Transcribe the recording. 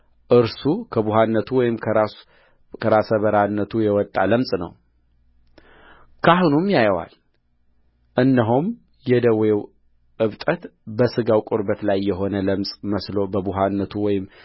እርሱ ከቡሀነቱ ወይም ከራሰ በራነቱ የወጣ ለምጽ ነውካህኑም ያየዋል እነሆም የደዌው እብጠት በሥጋው ቁርበት ላይ የሆነ ለምጽ መስሎ በቡሀነቱ ወይም